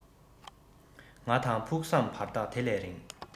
ང དང ཕུགས བསམ བར ཐག དེ ལས རིང